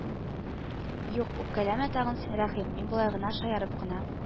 Юк, үпкәләмә тагын син, Рәхим, мин болай гына, шаярып кына